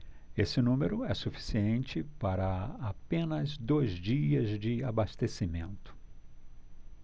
esse número é suficiente para apenas dois dias de abastecimento